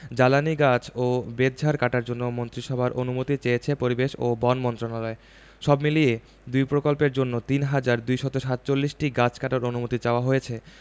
জ্বালানি গাছ ও বেতঝাড় কাটার জন্য মন্ত্রিসভার অনুমতি চেয়েছে পরিবেশ ও বন মন্ত্রণালয় সবমিলিয়ে দুই প্রকল্পের জন্য ৩হাজার ২৪৭টি গাছ কাটার অনুমতি চাওয়া হয়েছে